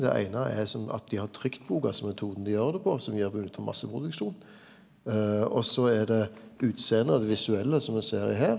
det eine er sånn at dei har trykt boka altså metoden dei gjer det på som gjer masseproduksjon og så er det utsjåande det visuelle som me ser her.